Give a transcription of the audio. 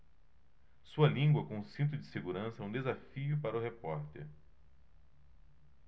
sua língua com cinto de segurança é um desafio para o repórter